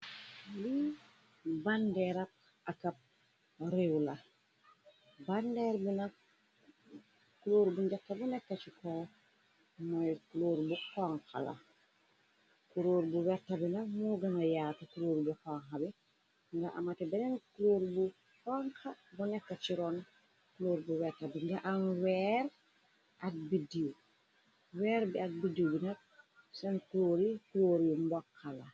Lii bàndeer ak ak ab réew la bandeer bina curóor bu njaxta bu nekka ci ko mooy klóur bu xonxa la kuróur bu weta bina moo gëna yaate curóor bu xonx bi nga ama te beneen króur bu xonxa bu nekk ci roon klóor bu weta bi nga am weer ak bidd weer bi ak biddu bina seen coóur yi klur yu mbokxala.